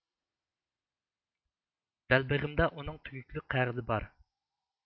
بەلبېغىمدا ئۇنىڭ تۈگۈكلۈك قەغىزى بار